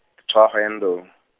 Thohoyandou.